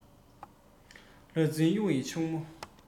ལྷ རྫིང གཡུ ཡི ཕྱུག མོ